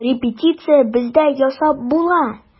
Репетиция бездә ясап була.